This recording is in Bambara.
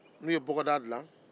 n'u bɛ bɔgɔdaga dilan